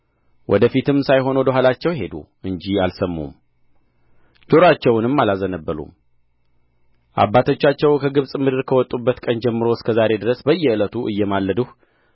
ወደ ፊትም ሳይሆን ወደ ኋላቸው ሄዱ እንጂ አልሰሙም ጆሮአቸውንም አላዘነበሉም አባቶቻችሁ ከግብጽ ምድር ከወጡበት ቀን ጀምሮ እስከ ዛሬ ድረስ በየዕለቱ እየማለድሁ